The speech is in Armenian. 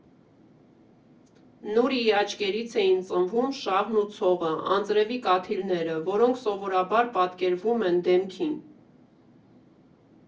Նուրիի աչքերից էին ծնվում շաղն ու ցողը, անձրևի կաթիլները, որոնք սովորաբար պատկերվում են դեմքին։